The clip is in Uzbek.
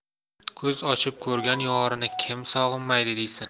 ko'z ochib ko'rgan yorini kim sog'inmaydi deysan